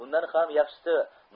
undan ham yaxshisi